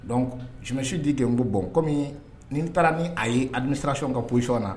Donc jmɛsi di kɛ n ko bɔn kɔmi nin taara min a ye alimi siransiɔn ka psiyɔn na